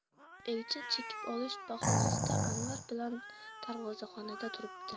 elchin chekib olish bahonasida anvar bilan darvozaxonada turibdi